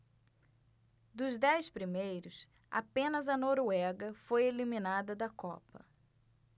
dos dez primeiros apenas a noruega foi eliminada da copa